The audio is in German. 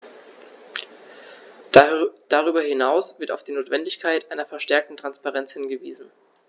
Darüber hinaus wird auf die Notwendigkeit einer verstärkten Transparenz hingewiesen.